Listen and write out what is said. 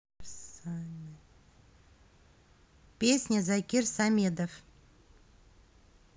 песня закир самедов